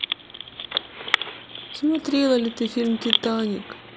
смотрела ли ты фильм титаник